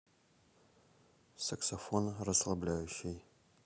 саксофон расслабляющий